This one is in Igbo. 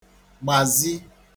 gbazi